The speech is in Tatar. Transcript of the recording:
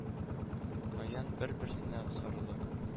Гаян бер-берсенә сарылып,